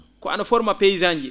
ko ano forma paysans ji